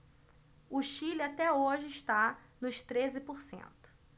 o chile até hoje está nos treze por cento